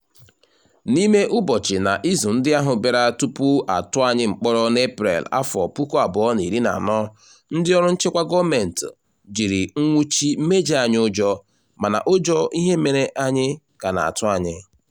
N’ime ụbọchị na izu ndị ahụ bịara tupu a tụọ anyị mkpọrọ n’Eprel 2014, ndịọrụ nchekwa gọọmenti jiri nnwuchi mejaa anyị ụjọ, mana ụjọ ihe mere anyị ka na-atụ anyị.